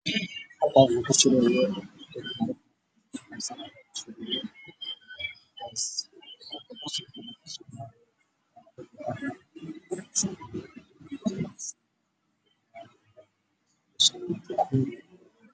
Halkaan waa hool waxaa jooga wasiiro dowlada soomaliya ah waxay qabaan suudad